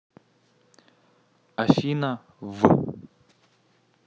afina в